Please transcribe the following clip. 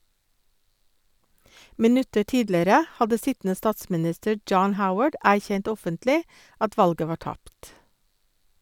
Minutter tidligere hadde sittende statsminister John Howard erkjent offentlig at valget var tapt.